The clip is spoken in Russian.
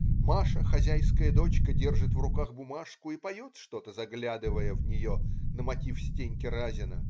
Маша, хозяйская дочка, держит в руках бумажку и поет что-то, заглядывая в нее, на мотив Стеньки Разина.